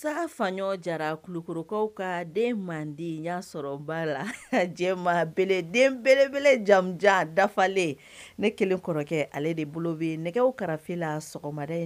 ' faɲɔ jara kulukorokaw ka den manden sɔrɔba la jɛbeleden belebele jaja dafalen ne kelen kɔrɔkɛ ale de bolo bɛ nɛgɛ karafe la sɔgɔma